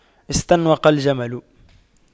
استنوق الجمل